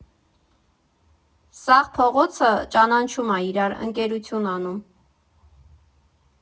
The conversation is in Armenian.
Սաղ փողոցը ճանաչում ա իրար, ընկերություն անում։